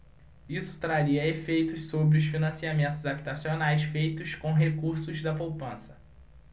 isso traria efeitos sobre os financiamentos habitacionais feitos com recursos da poupança